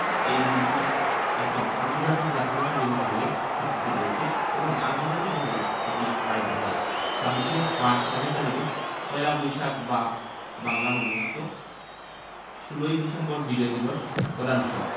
এই দিনটি এখন আন্তর্জাতিক মাতৃভাষা দিবস হিসেবে স্বীকৃতি পেয়েছে এবং আন্তর্জাতিকভাবে এটি পালিত হয় ২৬শে মার্চ স্বাধীনতা দিবস পহেলা বৈশাখ বা বাংলা নববর্ষ ১৬ই ডিসেম্বর বিজয় দিবস প্রধান উৎসব